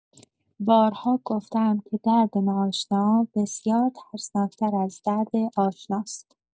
بارها گفته‌ام که درد ناآشنا بسیار ترسناک‌تر از درد آشناست.